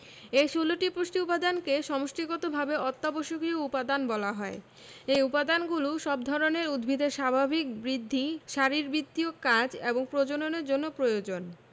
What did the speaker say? এ ১৬টি পুষ্টি উপাদানকে সমষ্টিগতভাবে অত্যাবশ্যকীয় উপাদান বলা হয় এই উপাদানগুলো সব ধরনের উদ্ভিদের স্বাভাবিক বৃদ্ধি শারীরবৃত্তীয় কাজ এবং প্রজননের জন্য প্রয়োজন